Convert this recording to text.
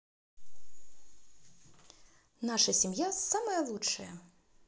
наша семья самая лучшая